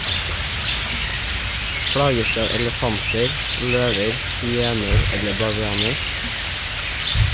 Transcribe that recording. Plages du av elefanter , løver , hyener eller bavianer?